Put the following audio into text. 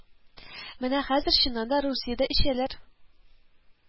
Менә хәзер, чыннан да, Русиядә эчәләр